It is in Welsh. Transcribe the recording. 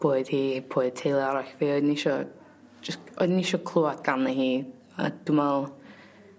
pwy oedd hi pwy oedd teulu arall fi o'n i isio jyst oeddwn i isio clŵad ganddi hi a dwi me'wl